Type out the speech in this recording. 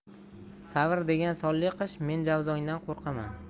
savr degan sonli qish men javzongdan qo'rqaman